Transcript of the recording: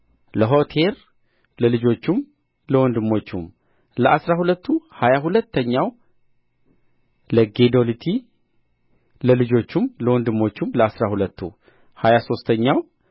ለሆቲር ለልጆቹም ለወንድሞቹም ለአሥራ ሁለቱ ሀያ ሁለተኛው ለጊዶልቲ ለልጆቹም ለወንድሞቹም ለአሥራ ሁለቱ ሀያ ሦስተኛው